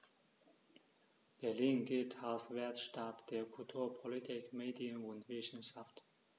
Berlin gilt als Weltstadt der Kultur, Politik, Medien und Wissenschaften.